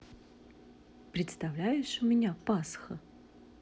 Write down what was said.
представляешь у меня пасха